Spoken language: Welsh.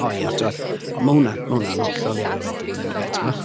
O ia, tibod o ma' hwnna 'ma hwnna'n hollol iawn wedyn yndyfe, timod?